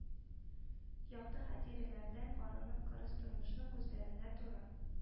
Якты хатирәләрдән арынып, кырыс тормышның күзләренә туры